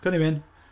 Co ni'n mynd.